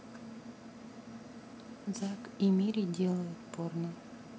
зак и мири делают порно